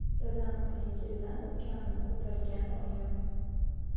dadam uning ketidan ukamni ko'targan oyim